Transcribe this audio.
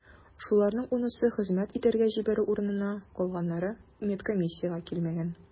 Шуларның унысы хезмәт итәргә җибәрү урынына, калганнары медкомиссиягә килмәгән.